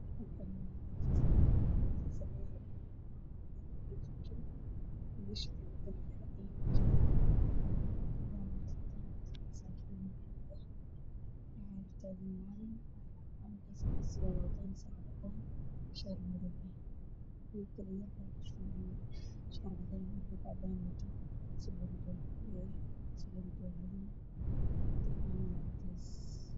Halkaan waxaa ka muuqdo dad badan oo wax la baraayo macalinkana wuu taagan yahay arday ardada kamid ahna sabuurada ayuu wax ku qoraayaa